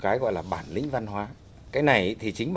cái gọi là bản lĩnh văn hóa cái này thì chính